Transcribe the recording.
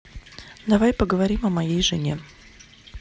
давай поговорим о моей жене